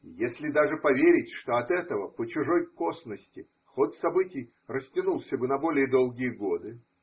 И если даже поверить, что от этого, по чужой косности, ход событий растянулся бы на более долгие годы.